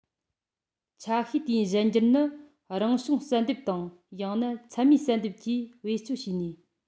ཆ ཤས དེའི གཞན འགྱུར ནི རང བྱུང བསལ འདེམས དང ཡང ན མཚན མའི བསལ འདེམས ཀྱིས བེད སྤྱོད བྱས ནས